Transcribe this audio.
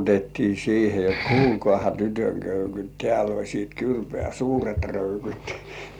koputettiin siihen jotta kuulkaahan tytön köykyt täällä olisi kyrpää suuret röykyt